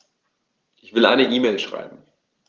Ich will eine E-Mail schreiben.